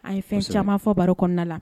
An ye fɛn caman fɔ baro kɔnɔna la